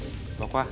bỏ qua